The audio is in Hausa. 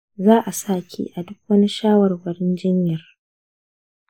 za'a saki a duk wani shawarwarin jinyar.